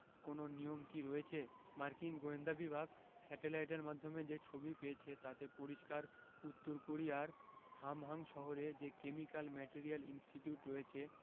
কোনো নিয়ম কি রয়েছে মার্কিন গোয়েন্দা বিভাগ স্যাটেলাইটের মাধ্যমে যে ছবি পেয়েছে তাতে পরিষ্কার উত্তর কোরিয়ার হামহাং শহরে যে কেমিক্যাল ম্যাটেরিয়াল ইনস্টিটিউট রয়েছে